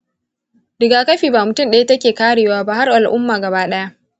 rigakafi ba mutum ɗaya take karewa ba har al’umma gabaɗaya.